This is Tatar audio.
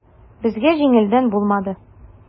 Безгә җиңелдән булмады.